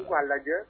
K'u k'a lajɛ